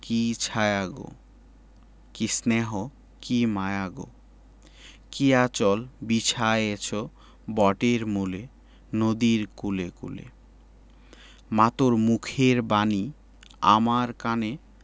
কী ছায়া গো কী স্নেহ কী মায়া গো কী আঁচল বিছায়েছ বটের মূলে নদীর কূলে কূলে মা তোর মুখের বাণী আমার কানে